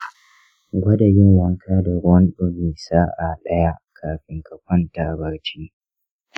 gwada yin wanka da ruwan ɗumi sa'a ɗaya kafin ka kwanta barci.